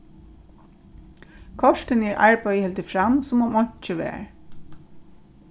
kortini er arbeiðið hildið fram sum um einki var